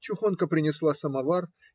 Чухонка принесла самовар.